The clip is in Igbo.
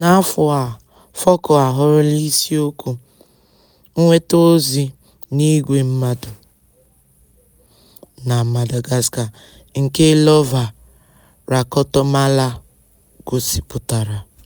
N'afọ a Foko ahọrọla isiokwu "Nweta Ozi site n'igwe mmadụ na Madagascar" nke Lova Rakotomala gosipụtara.